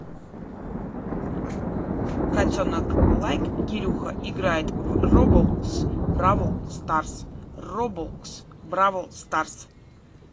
котенок лайк кирюха играет в roblox в brawl stars роблокс бравл старс